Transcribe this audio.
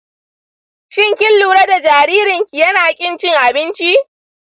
shin kin lura da jaririn ki yana ƙin cin abinci?